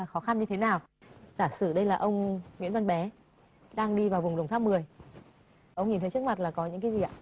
khó khăn như thế nào giả sử đây là ông nguyễn văn bé đang đi vào vùng đồng tháp mười ông nhìn thấy trước mặt là có những cái gì ạ